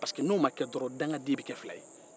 n'o ma kɛ dɔrɔn daganden bɛ kɛ fila ye